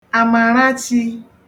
àmàràchi